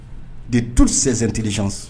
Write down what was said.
De tuurusɛɛn terirec